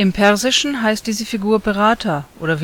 Persischen heißt diese Figur Berater (Wesir